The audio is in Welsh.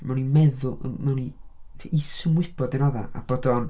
Mewn i meddwl... mewn i is-ymwybod, i raddau, a bod o'n...